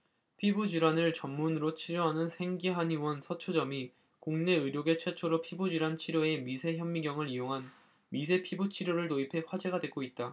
피부질환을 전문으로 치료하는 생기한의원 서초점이 국내 의료계 최초로 피부질환 치료에 미세현미경을 이용한 미세피부치료를 도입해 화제가 되고 있다